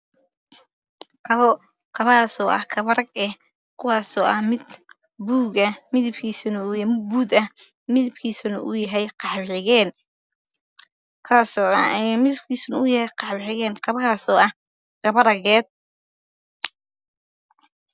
Kabo kabo rag ah kabahaas oo ah buud midad kiisu yahay madow xigeen